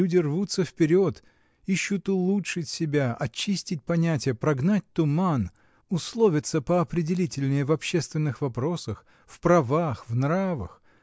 люди рвутся вперед, ищут улучшить себя, очистить понятия, прогнать туман, условиться поопределительнее в общественных вопросах, в правах, в нравах